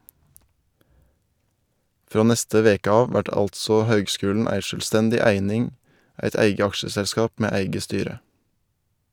Frå neste veke av vert altså høgskulen ei sjølvstendig eining, eit eige aksjeselskap med eige styre.